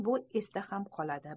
bu esda ham qoladi